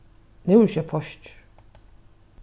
nú eru skjótt páskir